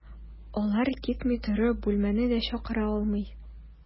Алар китми торып, бүлмәмә дә чакыра алмыйм.